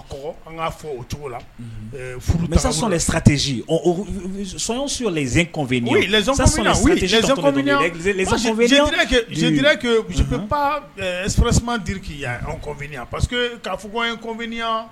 An fɔ o cogo la furu satez sonɔn suylenzɔn2 susi diri kki2ya parceseke' fɔ2yan